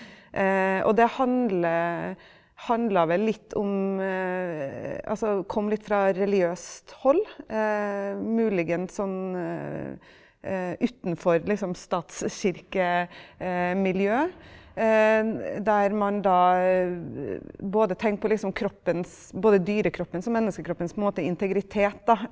og det handler handler vel litt om altså kom litt fra religiøst hold, muligens sånn utenfor liksom statskirkemiljø der man da både tenker på liksom kroppens både dyrekroppens og menneskekroppens på en måte integritet da.